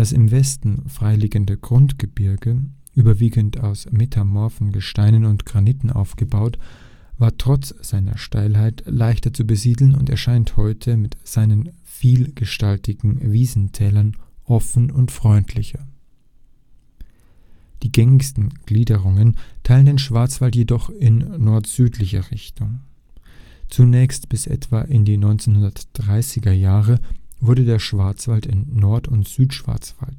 im Westen freiliegende Grundgebirge, überwiegend aus metamorphen Gesteinen und Graniten aufgebaut, war trotz seiner Steilheit leichter zu besiedeln und erscheint heute mit seinen vielgestaltigen Wiesentälern offen und freundlicher. Der Feldberg, höchster Berg des Schwarzwalds, südöstlich von Freiburg Die gängigsten Gliederungen teilen den Schwarzwald jedoch in nordsüdlicher Richtung. Zunächst, bis etwa in die 1930er Jahre, wurde der Schwarzwald in Nord - und Südschwarzwald geteilt